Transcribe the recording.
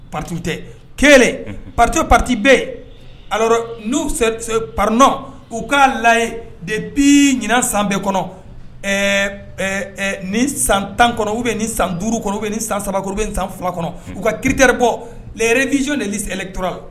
Patite kelen pate pati bɛ a n'u parɔn u k'a layi de bi ɲin san bɛɛ kɔnɔ nin san tan kɔnɔw bɛ ni san duuru kɔnɔ bɛ ni san saba bɛ ni san fila kɔnɔ u ka kitere bɔ rezo deli lɛtura